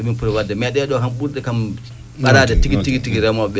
min poti waɗde mais ɗee ɗoo kam ɓurɗe kam daraade tigi tigi remooɓe ɓee